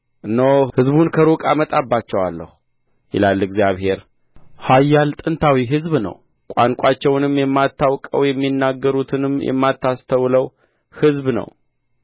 እነሆ ሕዝብን ከሩቅ አመጣባችኋለሁ ይላል እግዚአብሔር ኃያል ጥንታዊ ሕዝብ ነው ቋንቋቸውንም የማታውቀው የሚናገሩትንም የማታስተውለው ሕዝብ ነው